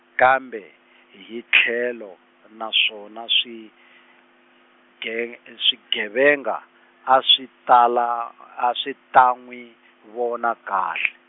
kambe, hi hi tlhelo, na swona swi, geng-, e swigevenga a swi ta la, a swi ta nwi, vona kahle.